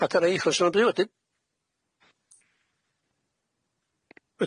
Ada rei achos o'n nw'n byw wedyn.